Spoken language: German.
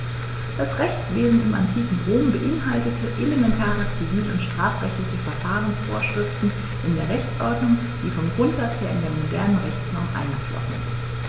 Das Rechtswesen im antiken Rom beinhaltete elementare zivil- und strafrechtliche Verfahrensvorschriften in der Rechtsordnung, die vom Grundsatz her in die modernen Rechtsnormen eingeflossen sind.